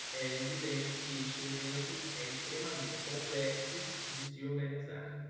é evidente que este evento é extremamente complexo de se organizar